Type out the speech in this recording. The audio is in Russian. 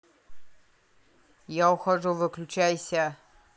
я ухожу выключайся